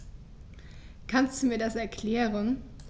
Kannst du mir das erklären?